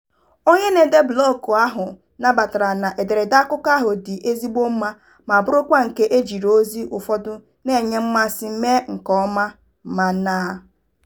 Onye na-ede blọọgụ ahụ nabatara na ederede akụkọ ahụ dị ezigbo mma ma bụrụkwa nke e jiri ozi ụfọdụ na-enye mmasị mee nkeọma, mana…